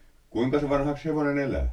kuinkas vanhaksi hevonen elää